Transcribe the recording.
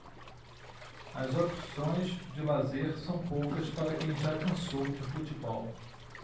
as opções de lazer são poucas para quem já cansou de futebol